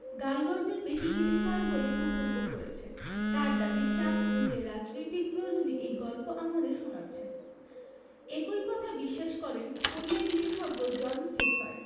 গালগপ্পের বেশি কিছু নয় বলে মন্তব্য করেছেন তাঁর দাবি ট্রাম্প নিজের রাজনৈতিক প্রয়োজনে এই গল্প আমাদের শোনাচ্ছেন একই কথা বিশ্বাস করেন কোরিয়া বিশেষজ্ঞ জন ফেফফার